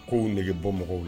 Kow negebɔ mɔgɔw la